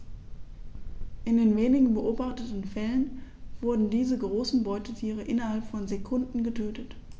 In den wenigen beobachteten Fällen wurden diese großen Beutetiere innerhalb von Sekunden getötet.